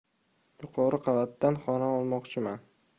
yuqori qavatdan xona olmoqchiman